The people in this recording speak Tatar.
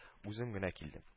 Үзем генә килдем